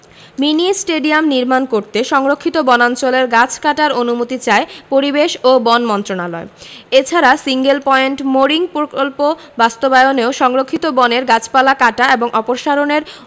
mini stadium নির্মাণ করতে সংরক্ষিত বনাঞ্চলের গাছ কাটার অনুমতি চায় পরিবেশ ও বন মন্ত্রণালয় এছাড়া সিঙ্গেল পয়েন্ট মোরিং প্রকল্প বাস্তবায়নেও সংরক্ষিত বনের গাছপালা কাটা এবং অপসারণের